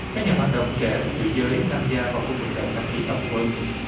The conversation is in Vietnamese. các nhà hoạt động trẻ của nữ giới tham gia vào cuộc vận động đăng ký tòng quân